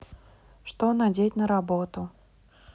что надеть на работу